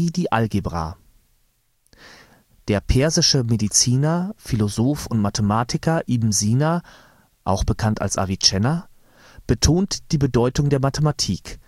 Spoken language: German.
die Algebra; der persische Mediziner, Philosoph und Mathematiker Ibn Sina (Avicenna) betont die Bedeutung der Mathematik